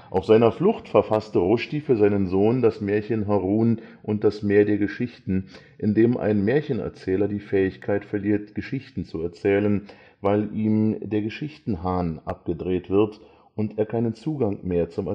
Auf seiner Flucht verfasste Rushdie für seinen Sohn das Märchen Harun und das Meer der Geschichten, in dem ein Märchenerzähler die Fähigkeit verliert, Geschichten zu erzählen, weil ihm der „ Geschichtenhahn “abgedreht wird und er keinen Zugang mehr zum „ Erzählwasser